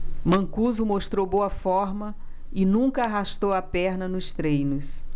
mancuso mostrou boa forma e nunca arrastou a perna nos treinos